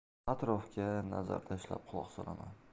atrofga nazar tashlab quloq solaman